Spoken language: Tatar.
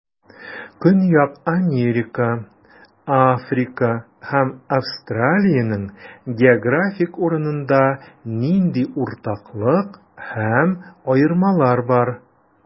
Көньяк Америка, Африка һәм Австралиянең географик урынында нинди уртаклык һәм аермалар бар?